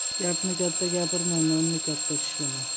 gapni katta gapirma nonni katta tishlama